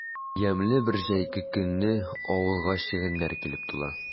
Ямьле бер җәйге көнне авылга чегәннәр килеп тула.